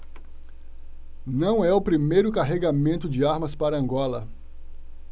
não é o primeiro carregamento de armas para angola